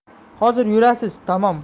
hozir yurasiz tamom